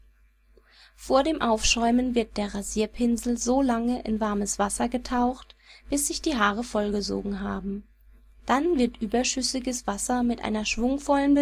Vor dem Aufschäumen wird der Rasierpinsel so lange in warmes Wasser getaucht, bis sich die Haare vollgesogen haben. Dann wird überschüssiges Wasser mit einer schwungvollen